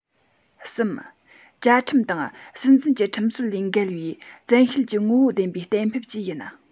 གསུམ བཅའ ཁྲིམས དང སྲིད འཛིན གྱི ཁྲིམས སྲོལ ལས འགལ བའི བཙན ཤེད ཀྱི ངོ བོ ལྡན པའི གཏན འབེབས བཅས ཡིན